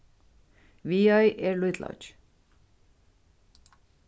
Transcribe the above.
viðoy er lítil oyggj